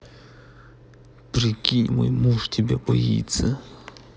прикинь мой муж тебя боится